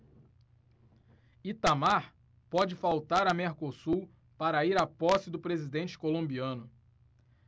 itamar pode faltar a mercosul para ir à posse do presidente colombiano